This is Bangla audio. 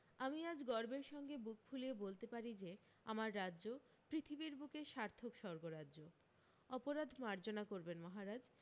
আমি আজ গর্বের সঙ্গে বুক ফুলিয়ে বলতে পারি যে আমার রাজ্য পৃথিবীর বুকে সার্থক স্বর্গরাজ্য অপরাধ মার্জনা করবেন মহারাজ